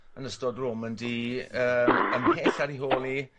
yn ystod Romandy yym ymhell ar ei hol 'i